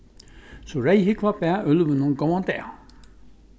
so reyðhúgva bað úlvinum góðan dag